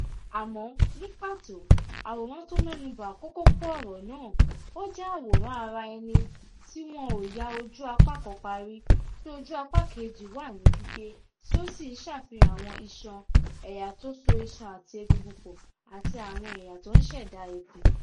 Àmọ́, ní pàtó, àwòrán to mẹ́nuba kò kókó ọ̀rọ̀ náà: Ó jẹ́ àwòrán ara ẹni tí wọn ò ya ojú apá kan parí, tí ojú apá kejì wà ní gígé, tí ó sì ń ṣàfihan àwọn iṣan, ẹ̀yà tó so iṣan àti egungun pọ̀ àti àwọn ẹ̀yà tó ń ṣẹ̀dá ikun.